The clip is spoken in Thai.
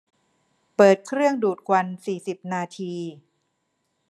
เปิดเครื่องดูดควันสี่สิบนาที